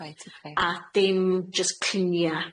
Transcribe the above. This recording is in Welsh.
Reit, ocê.... A dim jyst clunia.